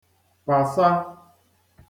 pasa